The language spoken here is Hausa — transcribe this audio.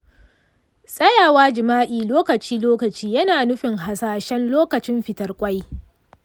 tsayawa jima’i lokaci-lokaci yana nufin hasashen lokacin fitar ƙwai.